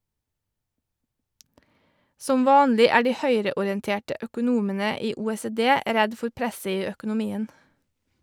Som vanlig er de høyreorienterte økonomene i OECD redd for «presset» i økonomien.